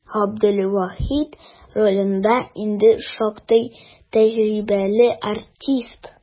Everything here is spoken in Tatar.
Габделвахит ролендә инде шактый тәҗрибәле артист.